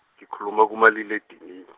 ngikhuluma kumaliledini-.